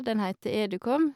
Den heter EduCom.